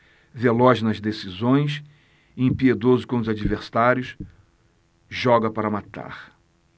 veloz nas decisões impiedoso com os adversários joga para matar